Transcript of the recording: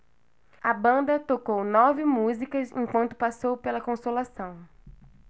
a banda tocou nove músicas enquanto passou pela consolação